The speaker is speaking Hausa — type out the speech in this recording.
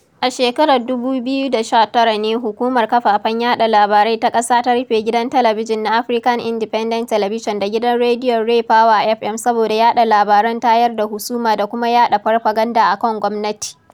A shekarar 2019 ne Hukumar Kafafen Yaɗa Labarai Ta ƙasa ta rufe Gidan Talabijin na African Independent Television da Gidan Rediyon RayPower FM saboda yaɗa labaran tayar da husuma da kuma yaɗa farfaganda a kan gwamnati.